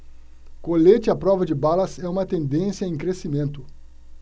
colete à prova de balas é uma tendência em crescimento